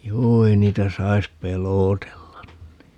juu ei niitä saisi pelotella niin